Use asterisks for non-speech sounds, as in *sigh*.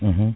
*hesitation* *hesitation*